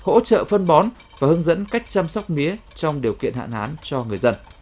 hỗ trợ phân bón và hướng dẫn cách chăm sóc mía trong điều kiện hạn hán cho người dân